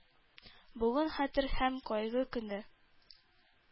Бүген – Хәтер һәм кайгы көне.